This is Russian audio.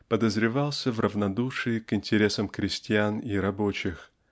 подозревался в равнодушии к интересам крестьян и рабочих.